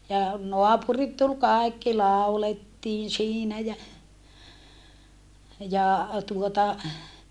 ja naapurit tuli kaikki laulettiin siinä ja ja tuota